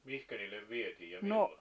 minkä niille vietiin ja milloin